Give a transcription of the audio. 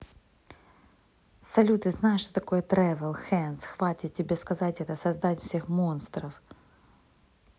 салют ты знаешь что такое travel hands хватит тебе сказать это создать всех монстров